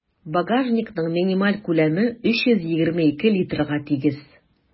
Багажникның минималь күләме 322 литрга тигез.